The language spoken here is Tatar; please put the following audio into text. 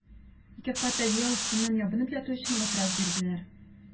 Ике кат одеял өстеннән ябынып яту өчен матрас бирделәр.